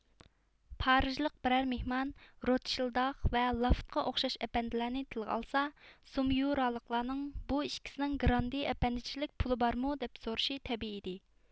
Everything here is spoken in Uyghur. پارىژلىق بىرەر مېھمان روتشىلداخ ۋە لافېتقا ئوخشاش ئەپەندىلەرنى تىلغا ئالسا سوميۇرالىقلارنىڭ بۇ ئىككىسىنىڭ گراندې ئەپەندىچىلىك پۇلى بارمۇ دەپ سورىشى تەبىئىي ئىدى